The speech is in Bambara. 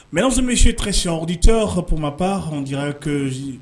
Mɛmuso min susiditepmap hɔnja